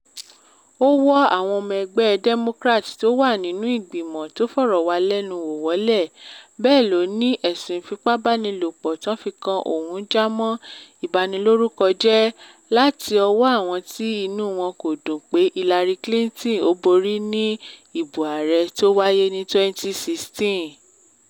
Ó wọ́ àwọn ọmọ egbẹ́ Democrat t’ọ́n wà nínú ìgbìmọ̀ tó fọ̀rọ̀walẹ́wò wọ́lẹ̀. Bẹ́ẹ̀ ló ní ẹ̀sùn ìfipábánilopò t’ọ́n fi kan òun jámọ́ “ìbanilórúkọjẹ́” láti ọwọ́ àwọn tí inú wọn ko dùn pé Hilary Clinton ‘ò borí ní ìbò ààrẹ tó wáyé ní 2016.